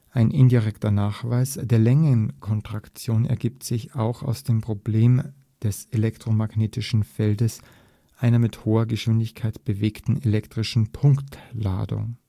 Ein indirekter Nachweis der Längenkontraktion ergibt sich auch aus dem Problem des elektromagnetischen Feldes einer mit hoher Geschwindigkeit bewegten elektrischen Punktladung